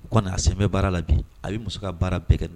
O a sen bɛ baara la bi a bɛ muso ka baara bɛɛ kɛ